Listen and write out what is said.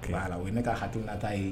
Ala la ye ne ka hakilata ye